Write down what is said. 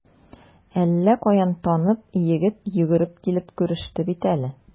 Әллә каян танып, егет йөгереп килеп күреште бит әле.